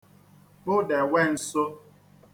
kpụdèwe nsō